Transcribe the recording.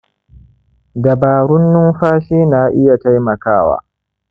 dabarun numfashi na iya taimakawa